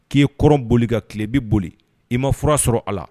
K'i kɔrɔn boli ka tile bɛ boli i ma fura sɔrɔ a la